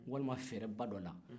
walima fɛrɛba dɔ la